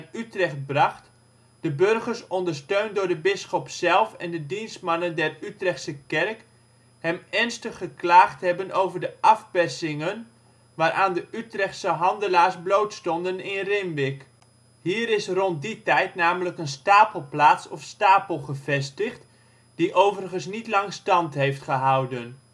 Utrecht bracht " de burgers ondersteund door de bisschop zelf en de dienstmannen der Utrechtsche kerk, hem ernstig geklaagd hebben over de afpersingen, waaraan de Utrechtsche handelaars bloot stonden in Rinwic. " Hier is rond die tijd namelijk een ' stapelplaats ' of stapel gevestigd, die overigens niet lang stand heeft gehouden